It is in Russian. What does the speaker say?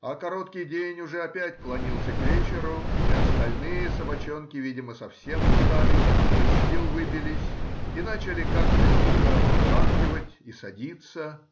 А короткий день уже опять клонился к вечеру, и остальные собачонки, видимо, совсем устали, из сил выбились и начали как-то дико похаркивать и садиться.